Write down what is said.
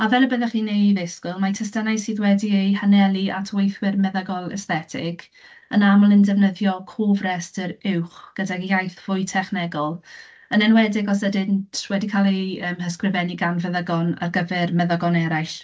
A fel y byddwch chi'n ei ddisgwyl, mae testunau sydd wedi eu hanelu at weithwyr meddygol esthetig yn aml yn defnyddio cofrestr uwch gyda'u iaith fwy technegol , yn enwedig os ydynt wedi cael eu, yym, ysgrifennu gan feddygon ar gyfer meddygon eraill.